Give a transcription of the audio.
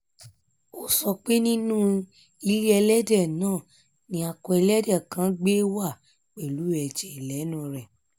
Ó sọ pé ní inú ilé ẹlẹ́dẹ náà ni akọ ẹlẹ́dẹ̀ kan gbé wá pẹ̀lú ẹ̀jẹ̀ lẹ́nu rẹ̀.